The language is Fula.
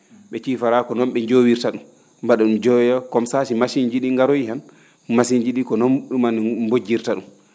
?e ciifaraa ko noon ?e joowirta ?um mba?a ?um joowe yoo comme ça so masi? ji ?ii ngaroyii han masi? ji ?ii ko noon ?uman mbojjirta ?um